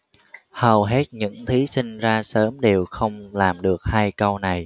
hầu hết những thí sinh ra sớm đều không làm được hai câu này